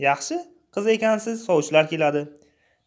yaxshi qiz ekansizki sovchilar keladi